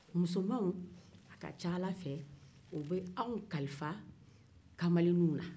musomanw a ka ca ala fɛ u bɛ aw kalifa kamalenniw na